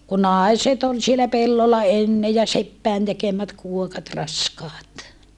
kun naiset oli siellä pellolla ennen ja seppien tekemät kuokat raskaat